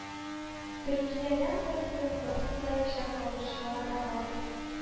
Төркиядән кайтып, Омскида яшәп калучылар да бар